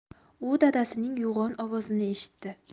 u dadasining yo'g'on ovozini eshitdi